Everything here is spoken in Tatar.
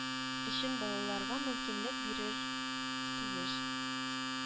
Өчен балаларга мөмкинлек бирер тиеш